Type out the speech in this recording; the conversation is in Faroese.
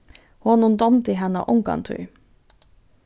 honum dámdi hana ongantíð